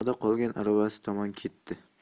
orqada qolgan aravasi tomon ketdi